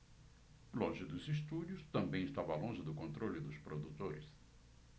longe dos estúdios também estava longe do controle dos produtores